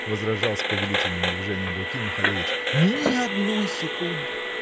-- возражал с повелительным движением руки Михалевич. -- Ни одной секунды!